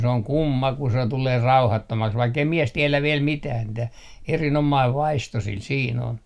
se on kumma kun se tulee rauhattomaksi vaikka ei mies tiedä vielä mitään mitä erinomainen vaisto sillä siinä on